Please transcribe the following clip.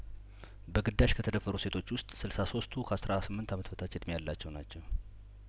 በግዳጅ ከተደፈሩ ሴቶች ውስጥ ስልሳ ሶስትቱ ከአስራ ስምንት አመት በታች እድሜ ያላቸው ናቸው